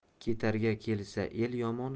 ketarga kelsa el yomon